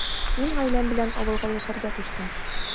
Мин гаиләм белән авылга яшәргә күчтем.